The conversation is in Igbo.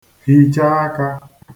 -hìcha aka